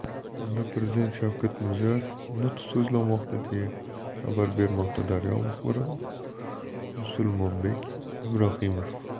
unda prezident shavkat mirziyoyev nutq so'zlamoqda deya xabar bermoqda daryo muxbiri musulmonbek ibrohimov